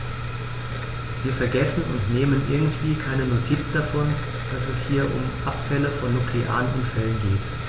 Wir vergessen, und nehmen irgendwie keine Notiz davon, dass es hier um Abfälle von nuklearen Unfällen geht.